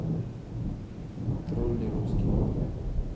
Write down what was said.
тролли русские